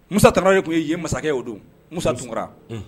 Musa tan de tun ye ye masakɛ o don musa dunkura